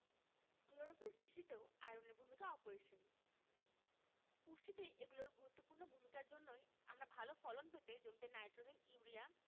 chlorophyll সৃষ্টিতেও আয়রনের ভূমিকা অপরিসীম পুষ্টিতে এগুলোর গুরুত্বপূর্ণ ভূমিকার জন্যই আমরা ভালো ফলন পেতে জমিতে নাইট্রোজেন ইউরিয়া